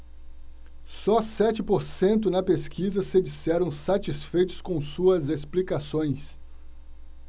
só sete por cento na pesquisa se disseram satisfeitos com suas explicações